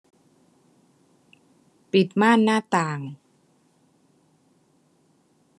ปิดม่านหน้าต่าง